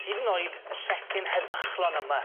Hyd yn oed y llecyn heddychlon yma.